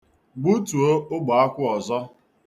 Gbutuo ogbeakwụ ọzọ.